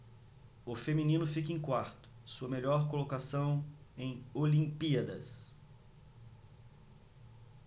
o feminino fica em quarto sua melhor colocação em olimpíadas